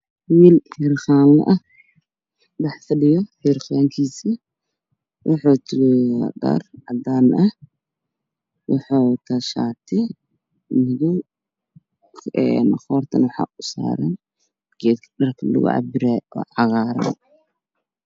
Waxaa ii muuqda nin wato shaar madow waxa uuna talayaa dhar waxa uuna ku talayaa harqaan harqankaidabkiisuna waa caddaan